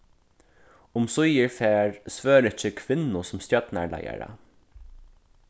umsíðir fær svøríki kvinnu sum stjórnarleiðara